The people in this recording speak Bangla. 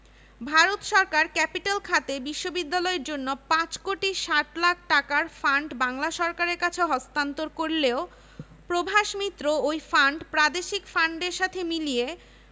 পরিবর্তিত প্রথম মনোগ্রামে আরবিতে ইকরা বিস্মে রাবিবকাল লাজি খালাক্ক ১৯৫২ ৭২ দ্বিতীয় মনোগ্রামে শিক্ষাই আলো ১৯৭২ ৭৩